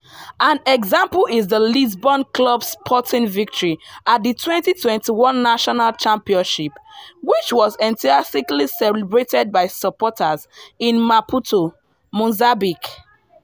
An example is the Lisbon club Sporting victory at the 2021 national championship, which was enthusiastically celebrated by supporters in Maputo (Mozambique).